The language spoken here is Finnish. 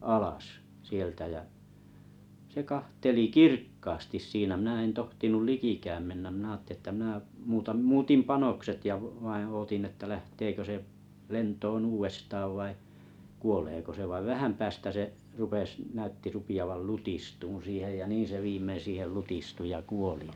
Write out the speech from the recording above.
alas sieltä ja se katseli kirkkaasti siinä minä en tohtinut likikään mennä minä ajattelin että minä muutan muutin panokset ja - vain odotin että lähteekö se lentoon uudestaan vai kuoleeko se vaan vähän päästä se rupesi näytti rupeavan lutistumaan siihen ja niin se viimein siihen lutistui ja kuoli ja